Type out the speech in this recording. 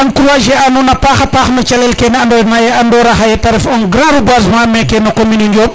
encourager a nuun a paxa paax no calel ke ando naye te ref un grand reboisement meke no commune o Njob